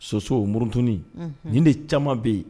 Soso murutunin, nin de caman bɛ yen